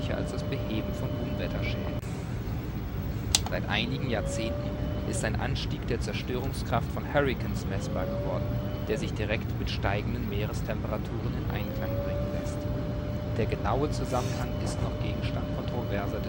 als das Beheben von Unwetterschäden. Seit einigen Jahrzehnten ist ein Anstieg der Zerstörungskraft von Hurrikanen messbar geworden, der sich direkt mit steigenden Meerestemperaturen in Einklang bringen lässt. Der genaue Zusammenhang ist noch Gegenstand kontroverser